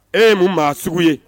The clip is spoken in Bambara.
Ee mun maa sugu ye